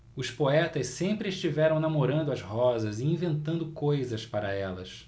os poetas sempre estiveram namorando as rosas e inventando coisas para elas